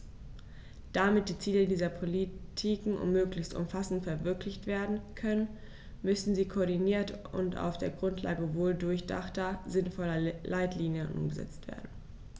Damit die Ziele dieser Politiken möglichst umfassend verwirklicht werden können, müssen sie koordiniert und auf der Grundlage wohldurchdachter, sinnvoller Leitlinien umgesetzt werden.